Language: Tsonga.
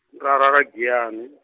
ra ra ya Giyani.